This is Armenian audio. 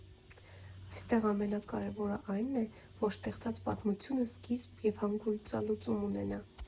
Այստեղ ամենակարևորն այն է, որ ստեղծած պատմությունը սկիզբ և հանգուցալուծում ունենա։